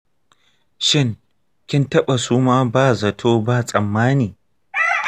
shin kin taɓa suma ba zato ba tsammani?